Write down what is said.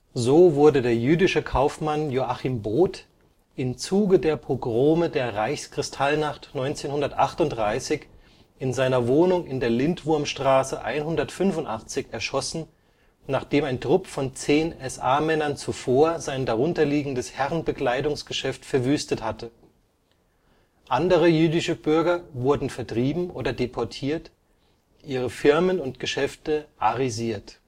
So wurde der jüdische Kaufmann Joachim Both in Zuge der Pogrome der „ Reichskristallnacht “1938 in seiner Wohnung in der Lindwurmstraße 185 erschossen, nachdem ein Trupp von zehn SA-Männern zuvor sein darunterliegendes Herrenbekleidungsgeschäft verwüstet hatte. Andere jüdische Bürger wurden vertrieben oder deportiert, ihre Firmen und Geschäfte „ arisiert